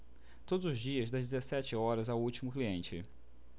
todos os dias das dezessete horas ao último cliente